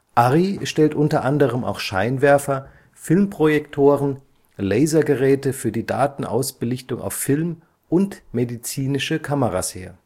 Arri stellt u. a. auch Scheinwerfer, Filmprojektoren, Laser-Geräte für die Datenausbelichtung auf Film und medizinische Kameras her